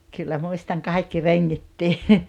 kyllä muistan kaikki rengitkin